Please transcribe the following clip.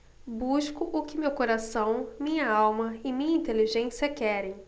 busco o que meu coração minha alma e minha inteligência querem